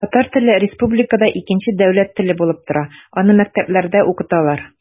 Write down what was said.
Татар теле республикада икенче дәүләт теле булып тора, аны мәктәпләрдә укыталар.